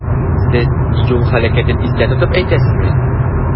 Сез юл һәлакәтен истә тотып әйтәсезме?